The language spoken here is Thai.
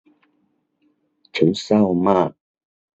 ฉันเศร้ามาก